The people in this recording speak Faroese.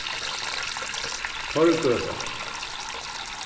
torvgøta